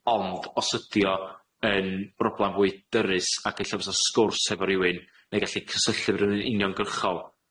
Ond os ydi o yn broblam fwy dyrys, ag ella fysa sgwrs hefo rywun, neu gallu cysylltu r'wun yn uniongyrchol,